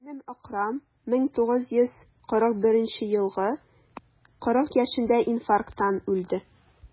Энем Әкрам, 1941 елгы, 40 яшендә инфаркттан үлде.